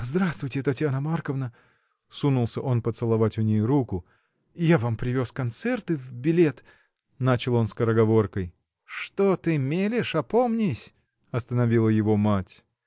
— Здравствуйте, Татьяна Марковна, — сунулся он поцеловать у ней руку, — я вам привез концерты в билет. — начал он скороговоркой. — Что ты мелешь, опомнись. — остановила его мать.